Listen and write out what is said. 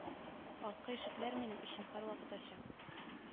Арткы ишекләр минем өчен һәрвакыт ачык